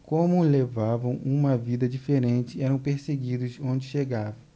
como levavam uma vida diferente eram perseguidos onde chegavam